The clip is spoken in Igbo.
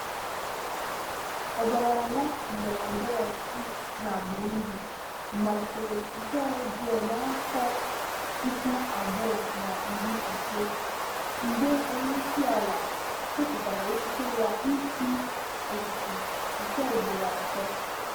Ọgbaaghara ndọrọndọrọ ọchịchị na Burundi malitere nke ọjọọ n'afọ 2015 mgbe onyeisiala kwupụtara echiche ya ichi ọchịchị nke ugboro atọ.